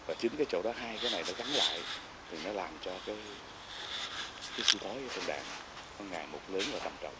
và chính cái chỗ đó hai cái này nó gắn lại rồi nó làm cho cái cái suy thoái ở trong đảng nó ngày một lớn và trầm trọng